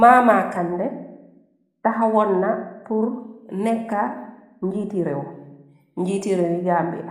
Mama kandeh taxaw wona pur nekka njiiti reww, njiiti rewi Gambia,